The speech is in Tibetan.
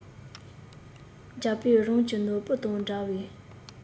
རྒྱལ པོས རང གྱི ནོར བུ དང འདྲ བའི